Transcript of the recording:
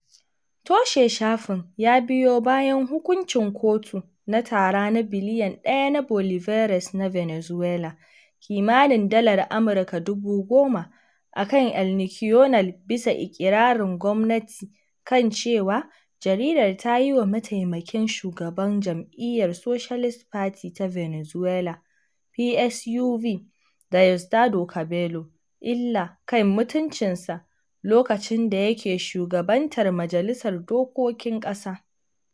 Toshe shafin ya biyo bayan hukuncin kotu na tara na biliyan ɗaya na Bolivares na Venezuela (kimanin dalar Amurka 10,000) akan El Nacional, bisa iƙirarin gwamnati kan cewa jaridar ta yi wa Mataimakin Shugaban Jam'iyyar Socialist Party ta Venezuela (PSUV), Diosdado Cabello, “illa kan mutuncinsa” lokacin da yake shugabantar Majalisar Dokokin Ƙasar.